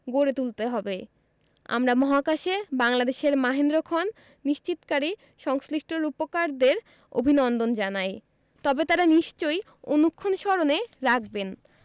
গড়ে তুলতে হবে আমরা মহাকাশে বাংলাদেশের মাহেন্দ্রক্ষণ নিশ্চিতকারী সংশ্লিষ্ট রূপকারদের অভিনন্দন জানাই তবে তাঁরা নিশ্চয় অনুক্ষণ স্মরণে রাখবেন